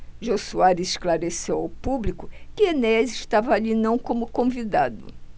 jô soares esclareceu ao público que enéas estava ali não como convidado